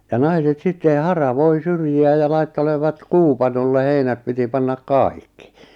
ja naiset sitten haravoi syrjiä ja laittelevat kuupanolle heinät piti panna kaikki